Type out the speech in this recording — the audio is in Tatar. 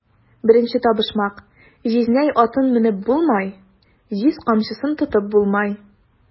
Беренче табышмак: "Җизнәй атын менеп булмай, җиз камчысын тотып булмай!"